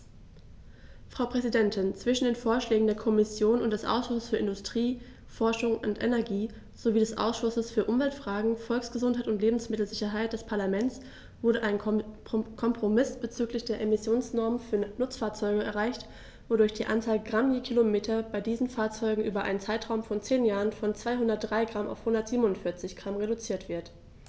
Frau Präsidentin, zwischen den Vorschlägen der Kommission und des Ausschusses für Industrie, Forschung und Energie sowie des Ausschusses für Umweltfragen, Volksgesundheit und Lebensmittelsicherheit des Parlaments wurde ein Kompromiss bezüglich der Emissionsnormen für Nutzfahrzeuge erreicht, wodurch die Anzahl Gramm je Kilometer bei diesen Fahrzeugen über einen Zeitraum von zehn Jahren von 203 g auf 147 g reduziert wird.